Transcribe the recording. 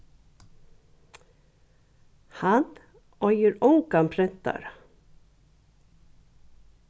hann eigur ongan prentara